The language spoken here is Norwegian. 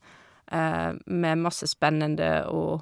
Med masse spennende å...